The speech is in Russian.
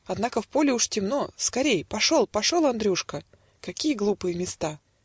Однако в поле уж темно; Скорей! пошел, пошел, Андрюшка! Какие глупые места!